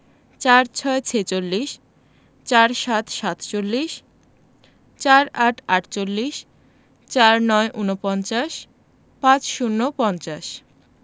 ৪৬ ছেচল্লিশ ৪৭ সাতচল্লিশ ৪৮ আটচল্লিশ ৪৯ উনপঞ্চাশ ৫০ পঞ্চাশ